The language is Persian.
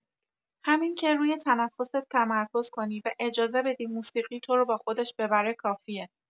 همین که روی تنفست تمرکز کنی و اجازه بدی موسیقی تو رو با خودش ببره کافیه.